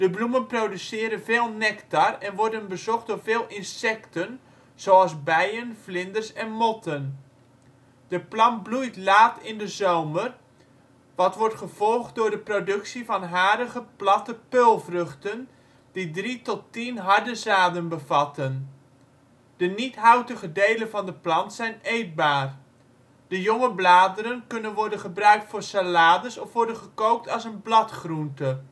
bloemen produceren veel nectar en worden bezocht door veel insecten zoals bijen, vlinders en motten. De plant bloeit laat in de zomer, wat wordt gevolgd door de productie van harige, platte peulvruchten, die drie tot tien harde zaden bevatten. Peulen De niet-houtige delen van de plant zijn eetbaar. De jonge bladeren kunnen worden gebruikt voor salades of worden gekookt als een bladgroente